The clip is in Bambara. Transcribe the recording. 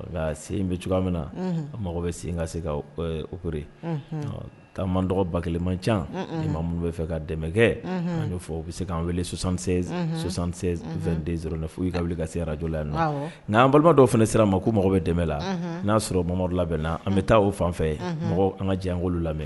Nka sen bɛ cogoya min na mago bɛ se ka se ka ourre' man dɔgɔ ba kelenmac i ma minnu bɛ fɛ ka dɛmɛkɛ an bɛ fɔ u bɛ se' an welesan2 fo' kaa wuli ka sej yen na nan balima dɔw fana sira ma ko mɔgɔ bɛ dɛmɛ la n'a'a sɔrɔ mama labɛnna an bɛ taa o fanfɛ mɔgɔ an ka jan an wolo lamɛn